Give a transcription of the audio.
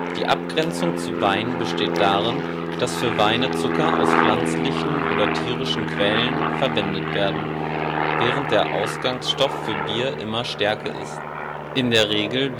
Die Abgrenzung zu Wein besteht darin, dass für Weine Zucker aus pflanzlichen (Fruchtzucker) oder tierischen Quellen (zum Beispiel Honig) verwendet werden, während der Ausgangsstoff für Bier immer Stärke ist. In der Regel